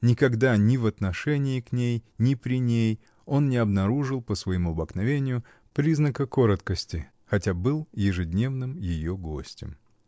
Никогда, ни в отношении к ней, ни при ней, он не обнаружил, по своему обыкновению, признака короткости, хотя был ежедневным ее гостем.